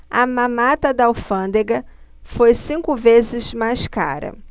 a mamata da alfândega foi cinco vezes mais cara